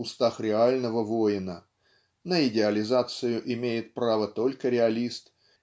устах реального воина (на идеализацию имеет право только реалист)